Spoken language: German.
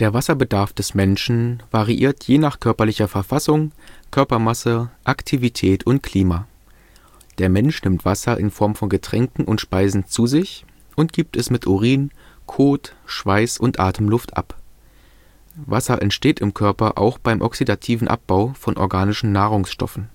Wasserbedarf des Menschen variiert je nach körperlicher Verfassung, Körpermasse, Aktivität und Klima. Der Mensch nimmt Wasser in Form von Getränken und Speisen zu sich und gibt es mit Urin, Kot, Schweiß und Atemluft ab. Wasser entsteht im Körper auch beim oxidativen Abbau von organischen Nahrungsstoffen